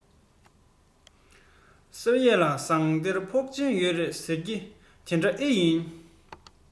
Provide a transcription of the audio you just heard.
ཟེར ཡས ལ ཟངས གཏེར འཕོན ཆེན ཡོད རེད ཟེར གྱིས དེ འདྲ ཨེ ཡིན